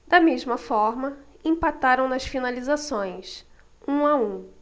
da mesma forma empataram nas finalizações um a um